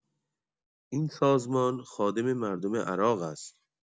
این سازمان خادم مردم عراق است.